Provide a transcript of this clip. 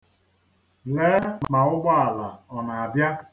Lee ma ụgbọala ọ na-abịa.